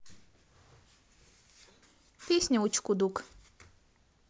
песня учкудук